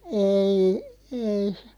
ei ei se